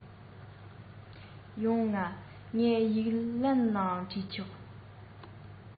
ཡོང ང ངས ཡིག ལན ནང བྲིས ཆོག